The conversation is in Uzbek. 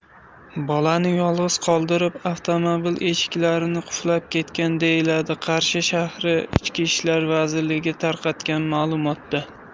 bolani yolg'iz qoldirib avtomobil eshiklarini qulflab ketgan deyiladi qarshi shahar ichki ishlar vazirligi tarqatgan ma'lumotda